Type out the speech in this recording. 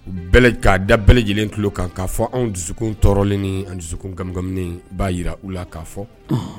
U bɛɛ laj;;; k'a da bɛɛ lajɛlen tulo kan k'a fɔ anw dusukun tɔɔrɔlen ni an dusukun kamikaminen b'a jira u la k'a fɔ; unhun